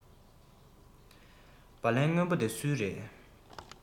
སྦ ལན སྔོན པོ འདི སུའི རེད